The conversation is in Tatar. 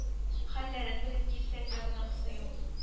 Хәлләрен белеп килсәң дә гөнаһысы юк